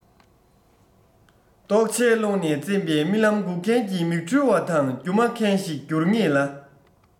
རྟོག འཆལ ཀློང ན རྩེན པའི རྨི ལམ འགུག མཁན གྱི མིག འཕྲུལ བ དང སྒྱུ མ མཁན ཞིག འགྱུར ངེས ལ